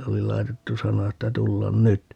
oli laitettu sana että tulla nyt